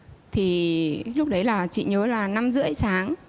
thì lúc đấy là chị nhớ là năm rưỡi sáng